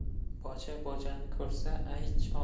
boja bojani ko'rsa ayj olar